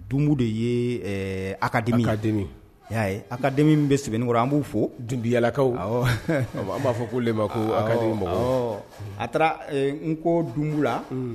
Doŋo don i yee ɛɛ académie ye académie i y'a ye académie min be Sebenikoro an' b'u fo Doumbouyalakaw awɔ awɔ an' b'a fɔ k'olu le ma ko académie awɔ mɔgɔw awɔɔ a taara ee n ko dunbu la unhun